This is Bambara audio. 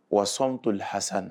Wa sɔn to lahasa na